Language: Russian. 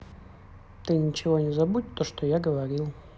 ты ничего не забудь то что я говорил